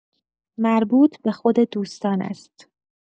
مربوط به خود دوستان است.